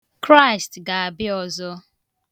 Kraịst ga-abịa ọzọ.